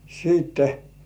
sitten